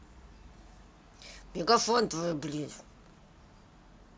мегафон тв блядь